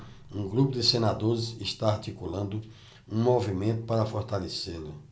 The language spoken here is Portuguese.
um grupo de senadores está articulando um movimento para fortalecê-lo